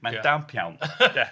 Mae'n damp iawn.